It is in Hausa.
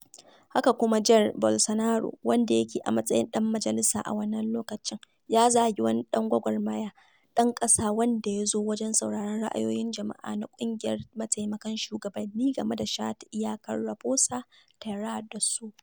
Haka kuma, Jair Bolsonaro, wanda yake a matsayin ɗan majalisa a wannan lokaci, ya zagi wani ɗan gwagwarmaya ɗan ƙasa wanda ya zo wajen sauraren ra'ayoyin jama'a na ƙungiyar mataimakan shugabanni game da shata iyakar Raposa Terra do Sol.